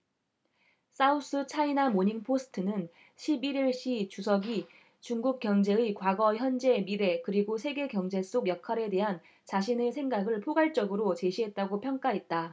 사우스차이나모닝포스트는 십 일 일 시 주석이 중국 경제의 과거 현재 미래 그리고 세계경제 속 역할에 대한 자신의 생각을 포괄적으로 제시했다고 평가했다